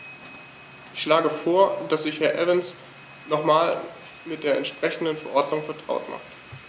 Ich schlage vor, dass sich Herr Evans nochmals mit der entsprechenden Verordnung vertraut macht.